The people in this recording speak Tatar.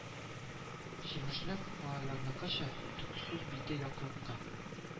Чирмешнең малайларныкыча төксез бите як-якка